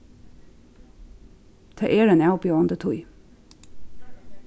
tað er ein avbjóðandi tíð